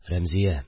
Рәмзия